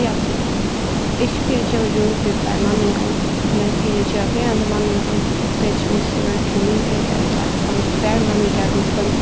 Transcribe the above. og jallinum ikki fyri at geva rúm fyri fleiri manningum men fyri at geva verandi manningum betri umstøður tí nú verður eftir ætlan tvær manningar um hvønn